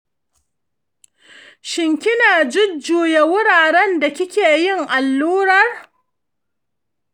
ki na jujjuya wuraren da kike yin allurar?